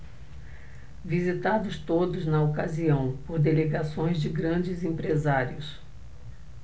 visitados todos na ocasião por delegações de grandes empresários